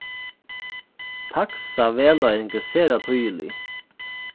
taks'sa vegleiðing er sera týðilig